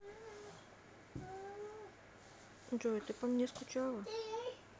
джой ты по мне скучала